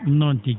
noon tigi